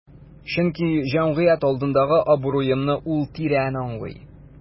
Чөнки җәмгыять алдындагы абруемны ул тирән аңлый.